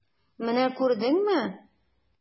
Менә күрдеңме!